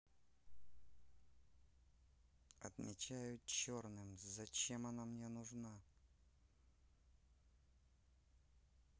отмечаю черным зачем она мне нужна